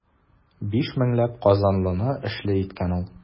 Биш меңләп казанлыны эшле иткән ул.